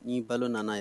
Ni balo nana yan